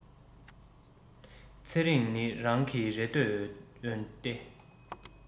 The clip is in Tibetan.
ཚེ རིང ནི རང གི རེ འདོད འོན ཏེ